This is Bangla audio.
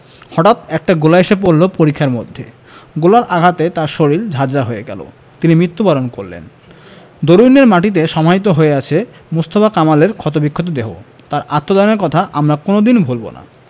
হটাঠ একটা গোলা এসে পড়ল পরিখার মধ্যে গোলার আঘাতে তার শরীর ঝাঁঝরা হয়ে গেল তিনি মৃত্যুবরণ করলেন দরুইনের মাটিতে সমাহিত হয়ে আছে মোস্তফা কামালের ক্ষতবিক্ষত দেহ তাঁর আত্মদানের কথা আমরা কোনো দিন ভুলব না